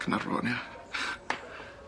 Canarfon ia.